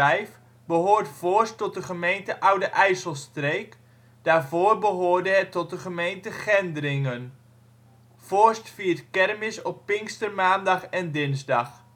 2005 behoort Voorst tot de gemeente Oude IJsselstreek, daarvoor behoorde het tot de gemeente Gendringen. Voorst viert kermis op Pinkstermaandag en - dinsdag